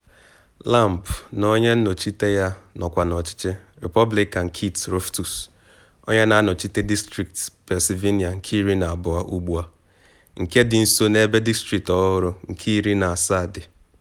Lamb na onye nnọchite ya nọkwa n’ọchịchị, Repọblikan Keith Rothfus, onye nke na-anọchite distrit Pennsylvania nke iri na abụọ 12th ugbua, nke dị nso n'ebe distrit ọhụrụ nke iri na asaa dị.